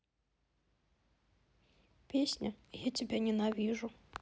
песня я люблю ненавижу